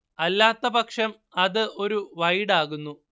അല്ലാത്തപക്ഷം അത് ഒരു വൈഡാകുന്നു